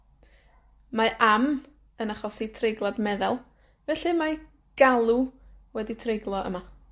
Mae am yn achosi treiglad meddal, felly mae galw wedi treiglo yma.